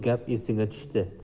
gap esiga tushdi